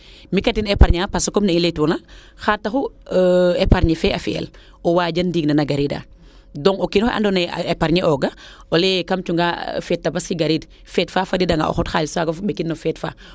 mi ten im epargne a xa taxu epargne fee a fitel o waajan ndiing ne na gariida donc o kiinoxe ando naye a eparne ooga o leye kam cunga fete tabaski gariid fete fadiida nga xalis faaga fop o ɓekin no fete faa